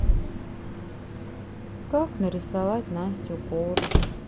как нарисовать настю корж